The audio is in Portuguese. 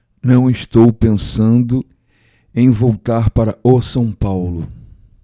não estou pensando em voltar para o são paulo